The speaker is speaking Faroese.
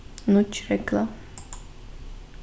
nýggj regla